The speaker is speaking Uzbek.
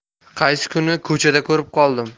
qaysi kuni ko'chada ko'rib qoldim